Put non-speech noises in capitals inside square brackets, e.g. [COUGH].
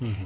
[HESITATION] [HESITATION]